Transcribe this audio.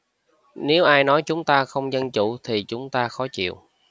nếu ai nói chúng ta không dân chủ thì chúng ta khó chịu